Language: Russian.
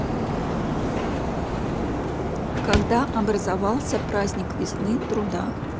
когда образовался праздник весны труда